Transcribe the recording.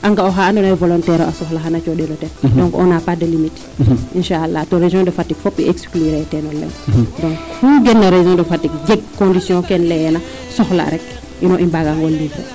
a nga oxaa ando naye volontaire o a soxla aan xana coxala ten donc on a pas inchaala to region de Fatick fop i exclure e teeno leŋ oxu gen na region de Fatick jeg condition keene leyeena soxla rek ino i mbaaga ngo ndimle